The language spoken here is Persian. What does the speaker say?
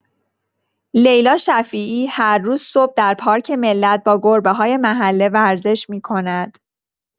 لیلا شفیعی، هر روز صبح در پارک ملت با گربه‌های محله ورزش می‌کند.